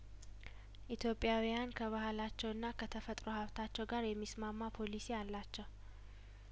ኢትዮጵያውያን ከባህላቸውና ከተፈጥሮ ሀብታቸው ጋር የሚስማማ ፖሊሲ አላቸው